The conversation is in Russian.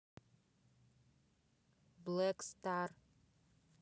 блэк стар